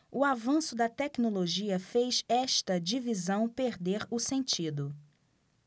o avanço da tecnologia fez esta divisão perder o sentido